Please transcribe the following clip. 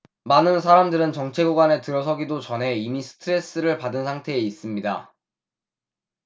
많은 사람들은 정체 구간에 들어서기도 전에 이미 스트레스를 받은 상태에 있습니다